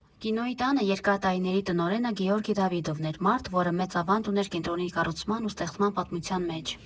Կինոյի տանը երկար տարիների տնօրենը Գեորգի Դավիդովն էր, մարդ, որը մեծ ավանդ ուներ կենտրոնի կառուցման ու ստեղծման պատմության մեջ։